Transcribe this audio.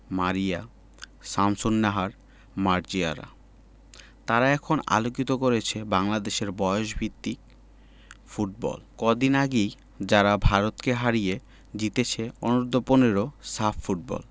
মারিয়া শামসুন্নাহার মার্জিয়ারা তারা এখন আলোকিত করছে বাংলাদেশের বয়সভিত্তিক ফুটবল কদিন আগেই যারা ভারতকে হারিয়ে জিতেছে অনূর্ধ্ব ১৫ সাফ ফুটবল